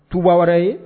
Tuba wɛrɛ ye